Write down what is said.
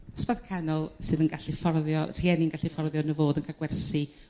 d'sba'th canol sydd yn gallu fforddio... Rhieni'n gallu 'fforddio nhw fod yn ca'l gwersi